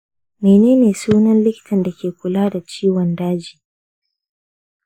menene sunan likitan da ke kula da ciwon daji?